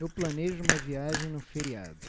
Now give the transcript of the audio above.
eu planejo uma viagem no feriado